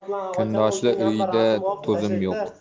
kundoshli uyda to'zim yo'q